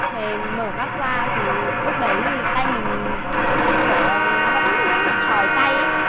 thì mở mắt ra thì lúc đấy thì tay mình kiểu là vẫn vẫn bị tròi tay ý